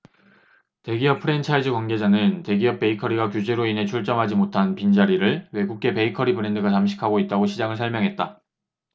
대기업 프랜차이즈 관계자는 대기업 베이커리가 규제로 인해 출점을 하지 못한 빈 자리를 외국계 베이커리 브랜드가 잠식하고 있다고 시장을 설명했다